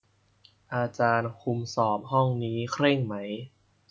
อาจารย์คุมสอบห้องนี้เคร่งไหม